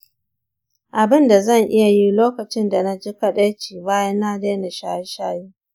abin da zan iya yi lokacin da na ji kaɗaici bayan na daina shaye-shaye?